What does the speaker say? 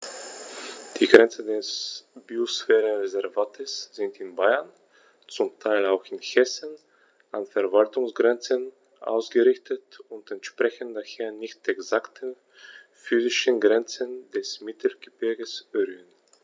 Die Grenzen des Biosphärenreservates sind in Bayern, zum Teil auch in Hessen, an Verwaltungsgrenzen ausgerichtet und entsprechen daher nicht exakten physischen Grenzen des Mittelgebirges Rhön.